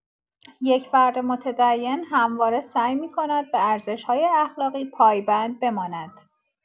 یک فرد متدین همواره سعی می‌کند به ارزش‌های اخلاقی پایبند بماند.